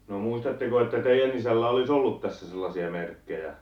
no muistatteko että teidän isällä olisi ollut tässä sellaisia merkkejä